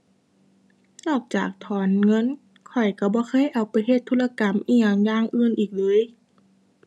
นอกจากถอนเงิน ข้อยก็บ่เคยเอาไปเฮ็ดธุรกรรมอิหยังอย่างอื่นอีกเลย